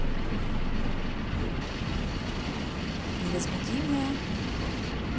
невозмутимое